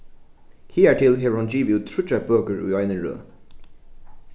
higartil hevur hon givið út tríggjar bøkur í eini røð